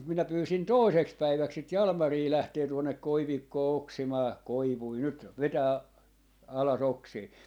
mutta minä pyysin toiseksi päiväksi sitä Jalmaria lähtemään tuonne koivikkoon oksimaan koivuja nyt vetämään alas oksia